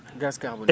gaz carbonique